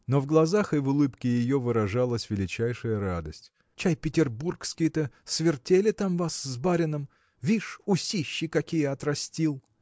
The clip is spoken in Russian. но в глазах и в улыбке ее выражалась величайшая радость. – Чай, петербургские-то. свертели там вас с барином? Вишь, усищи какие отрастил!